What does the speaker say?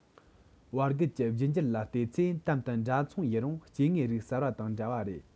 བར བརྒལ གྱི རྒྱུད འགྱུར ལ བལྟས ཚེ དམ དུ འདྲ མཚུངས ཡིན རུང སྐྱེ དངོས རིགས གསར པ དང འདྲ བ རེད